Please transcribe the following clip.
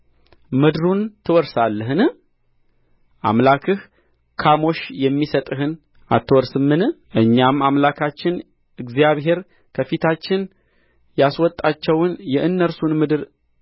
ምድሩን ትወርሳለህን አምላክህ ካሞሽ የሚሰጥህን አትወርስምን እኛም አምላካችን እግዚአብሔር ከፊታችን ያስወጣቸውን የእነርሱን ምድር